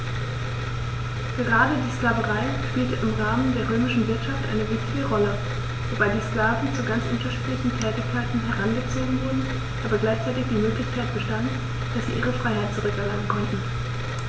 Gerade die Sklaverei spielte im Rahmen der römischen Wirtschaft eine wichtige Rolle, wobei die Sklaven zu ganz unterschiedlichen Tätigkeiten herangezogen wurden, aber gleichzeitig die Möglichkeit bestand, dass sie ihre Freiheit zurück erlangen konnten.